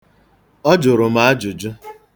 Ọ jụrụ m ajụjụ.